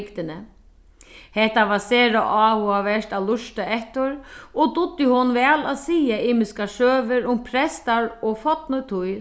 bygdini hetta var sera áhugavert at lurta eftir og dugdi hon væl at siga ymiskar søgur um prestar og fornu tíð